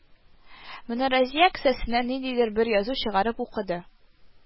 Менә Разия кесәсеннән ниндидер бер язу чыгарып укыды